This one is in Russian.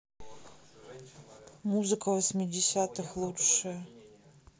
музыка восьмидесятых лучшее